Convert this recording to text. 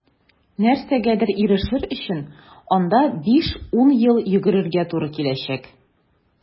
Нәрсәгәдер ирешер өчен анда 5-10 ел йөгерергә туры киләчәк.